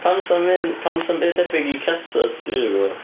Pam 'sa ddim un... pam 'sa ddim byd debyg i cathod dwi isio gwbod?